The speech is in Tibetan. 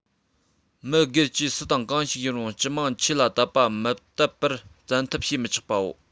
མི སྒེར བཅས སུ དང གང ཞིག ཡིན རུང སྤྱི དམངས ཆོས ལ དད པའམ མི དད པར བཙན ཐབས བྱེད མི ཆོག པའོ